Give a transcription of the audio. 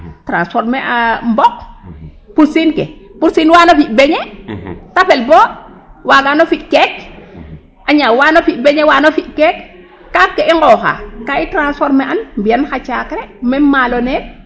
Transformer a mbok, pursiin ke, pursiin waan o fi' beignet te fel bo waagano fi' cake a ñaaw waano fi' beignet waano fi' cake kaaf ke nu nqooxaa ka i transformer an mbi'an xa caakri meme maalo neen.